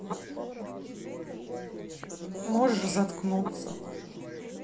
можешь заткнуться